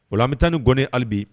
Wami tan ni gnen halibi